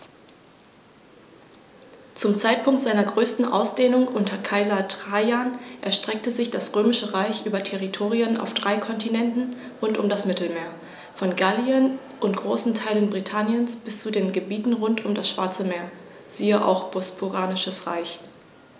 Zum Zeitpunkt seiner größten Ausdehnung unter Kaiser Trajan erstreckte sich das Römische Reich über Territorien auf drei Kontinenten rund um das Mittelmeer: Von Gallien und großen Teilen Britanniens bis zu den Gebieten rund um das Schwarze Meer (siehe auch Bosporanisches Reich).